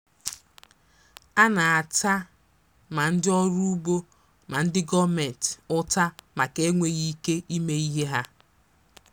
A na-ata ma ndị ọrụ ugbo ma ndị gọọmentị ụta maka enweghị ike ịme ihe ha.